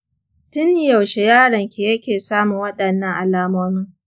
tin yaushe yaron ki yake samun waɗannan alamomin?